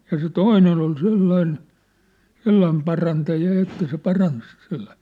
ja se toinen oli sellainen sellainen parantaja ja että se paransi sellaisia